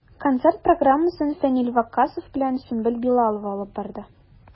Концерт программасын Фәнил Ваккасов белән Сөмбел Билалова алып барды.